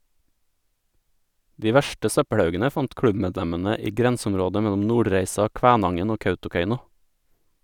De verste søppelhaugene fant klubbmedlemmene i grenseområdet mellom Nordreisa, Kvænangen og Kautokeino.